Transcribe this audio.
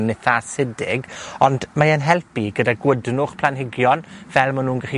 yn itha asidig, ond mae e'n helpu gyda gwydnwch planhigion, fel ma' nw'n gallu